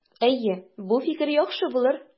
Әйе, бу фикер яхшы булыр.